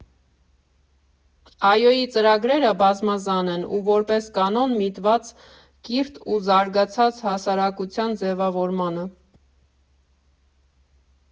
ԱՅՈ֊ի ծրագրերը բազմազան են ու, որպես կանոն, միտված կիրթ ու զարգացած հասարակության ձևավորմանը։